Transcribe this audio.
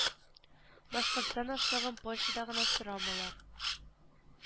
Башкортстан ашлыгын польшада гына сорамыйлар